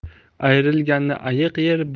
ayrilganni ayiq yer